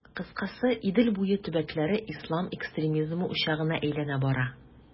Кыскасы, Идел буе төбәкләре ислам экстремизмы учагына әйләнә бара.